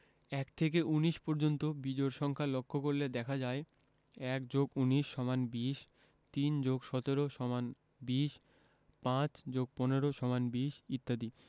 ১ থেকে ১৯ পর্যন্ত বিজোড় সংখ্যা লক্ষ করলে দেখা যায় ১+১৯=২০ ৩+১৭=২০ ৫+১৫=২০ ইত্যাদি